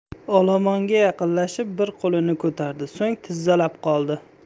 olomonga yaqinlashib bir qo'lini ko'tardi so'ng tizzalab qoldi